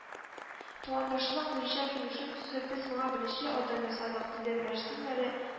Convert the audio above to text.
Тугандашлык буенча килешү төзеп, без моңа беренче адым ясадык, - диде Мәрсин мэры